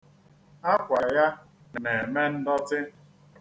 Akwa ya na-eme ndọtị.